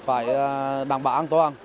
phải đảm bảo an toàn